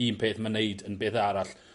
un peth ma' neud yn beth arall.